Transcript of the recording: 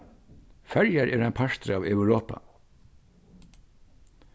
føroyar eru ein partur av europa